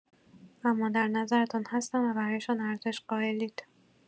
اما در نظرتان هستند و برایشان ارزش قائلید.